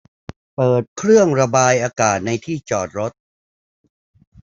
เปิดเครื่องระบายอากาศในที่จอดรถ